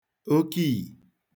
okiì